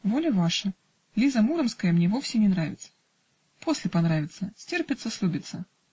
-- Воля ваша, Лиза Муромская мне вовсе не нравится. -- После понравится. Стерпится, слюбится.